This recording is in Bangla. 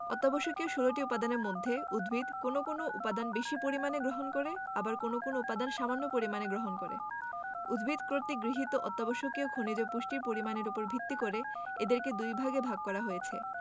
অত্যাবশ্যকীয় 16 টি উপাদানের মধ্যে উদ্ভিদ কোনো কোনো উপাদান বেশি পরিমাণে গ্রহণ করে আবার কোনো কোনো উপাদান সামান্য পরিমাণে গ্রহণ করে উদ্ভিদ কর্তৃক গৃহীত অত্যাবশ্যকীয় খনিজ পুষ্টির পরিমাণের উপর ভিত্তি করে এদেরকে দুইভাগে ভাগ করা হয়েছে